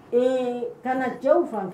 Ee kana na cɛww fan